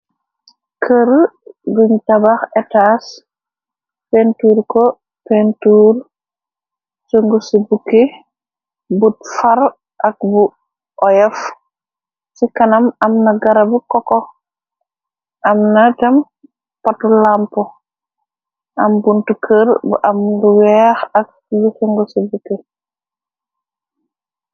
Kër guñ tabax etas, pentur ko pentur cëngu ci bukki, but far ak bu oyef, ci kanam amna garab koko, am na jem patu lamp, am buntu kër bu am lu weex, ak lu sungu ci bukki.